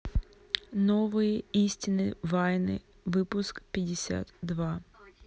новые истины вайны выпуск пятьдесят два